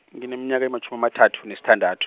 ngineminyaka ematjhumi amathathu, nesithandathu.